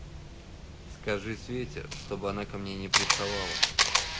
скажи свете чтобы она ко мне не приставала